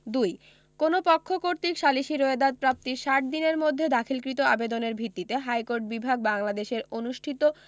২ কোন পক্ষ কর্তৃক সালিসী রোয়েদাদ প্রাপ্তির ষাট দিনের মধ্যে দাখিলকৃত আবেদনের ভিত্তিতে হাইকোর্ট বিভাগ বাংলাদেশের অনুষ্ঠিত